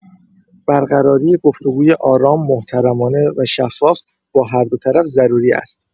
برقراری گفت‌وگوی آرام، محترمانه و شفاف با هر دو طرف ضروری است.